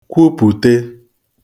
kwupùte